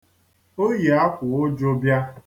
O yi akwaụjụ bịa.